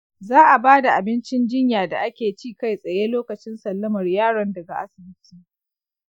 za a ba da abincin jinya da ake ci kai tsaye lokacin sallamar yaron daga asibiti.